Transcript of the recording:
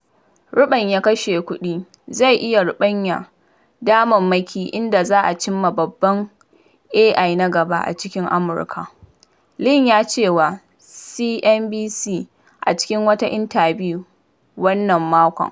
Ruɓanya kashe kuɗi zai iya rubanya damammaki inda za a cimma babban AI na gaba a cikin Amurka, Lee ya ce wa CNBC a cikin wata intabiyu wannan makon.